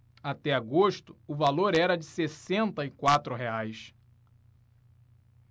até agosto o valor era de sessenta e quatro reais